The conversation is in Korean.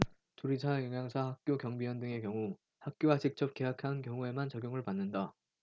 조리사 영양사 학교 경비원 등의 경우 학교와 직접 계약한 경우에만 적용을 받는다